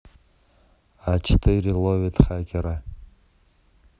а четыре ловит хакера